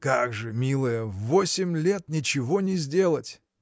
– Как же, милая, в восемь лет ничего не сделать!